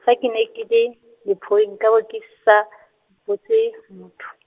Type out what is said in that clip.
fa ke ne ke le, lephoi nka bo ke sa , botse , motho.